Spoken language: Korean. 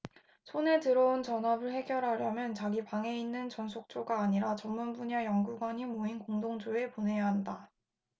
손에 들어온 전합을 해결하려면 자기 방에 있는 전속조가 아니라 전문분야 연구관이 모인 공동조에 보내야 한다